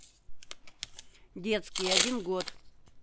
детские один год